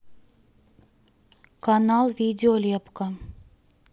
канал видео лепка